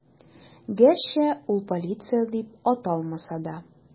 Гәрчә ул полиция дип аталмаса да.